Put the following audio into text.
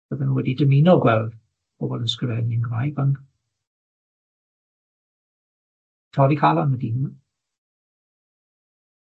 Bydden nw wedi dymuno gweld pobol yn ysgrifennu'n Gymraeg ond torri calon ydi hwnnw.